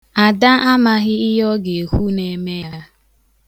Ada amaghị ihe ọ ga-ekwu na-eme ya.